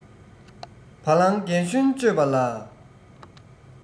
བ ལང རྒན གཞོན དཔྱོད པ ལ